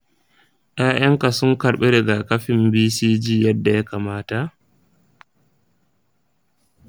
yayanka sun karɓi rigakafin bcg yadda ya kamata?